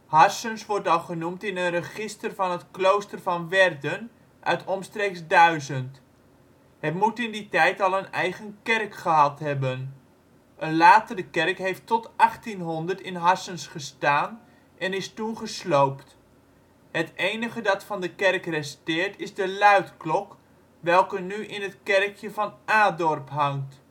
Harssens wordt al genoemd in een register van het klooster van Werden uit omstreeks 1000. Het moet in die tijd al een eigen kerk gehad hebben. Een latere kerk heeft tot 1800 in Harssens gestaan en is toen gesloopt. Het enige dat van de kerk resteert is de luidklok welke nu in het kerkje van Adorp hangt